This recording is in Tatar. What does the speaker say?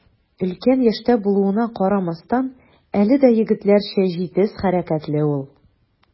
Өлкән яшьтә булуына карамастан, әле дә егетләрчә җитез хәрәкәтле ул.